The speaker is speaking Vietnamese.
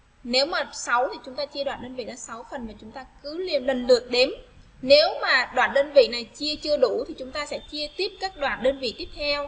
nếu mà thì chúng ta chia đoạn văn về lớp phần và chúng ta cứ liền nếu mà toàn đơn vị này chưa đủ thì chúng ta sẽ chia tiếp các đoạn đơn vị tiếp theo